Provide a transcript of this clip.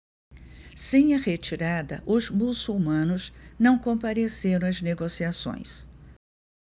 sem a retirada os muçulmanos não compareceram às negociações